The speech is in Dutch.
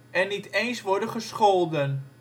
en niet eens worden gescholden